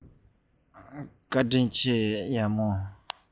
ཐུགས རྗེ ཆེ རྗེས སུ མཇལ ཡོང